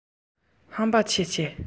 ཧམ པ ཆེ མདོག ལ